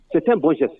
C'est un bon geste